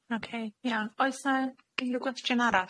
Oce, iawn. Oes 'na unryw gwestiwn arall?